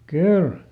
kyllä